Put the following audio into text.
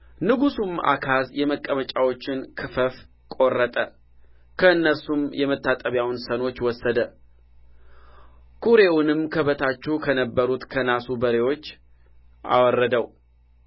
ንጉሡም አካዝ የመቀመጫዎችን ክፈፍ ቈረጠ ከእነርሱም የመታጠቢያውን ሰኖች ወሰደ ኵሬውንም ከበታቹ ከነበሩት ከናሱ በሬዎች አወረደው